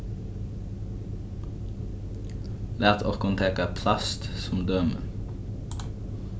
lat okkum taka plast sum dømi